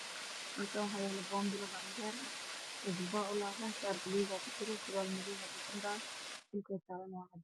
Halkaan waxaa yaalo boonbalo cadaan ah waxaa kujiro shaar buluug ah iyo surwaal cadeys ah, dhulka uu yaalo waa cadeys.